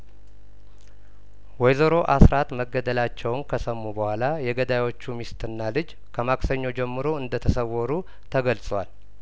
ወይዘሮ አስራት መገደላቸውን ከሰሙ በኋላ የገዳዮቹ ሚስትና ልጅ ከማክሰኞ ጀምሮ እንደተሰወሩ ተገልጿል